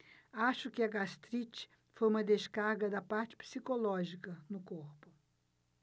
acho que a gastrite foi uma descarga da parte psicológica no corpo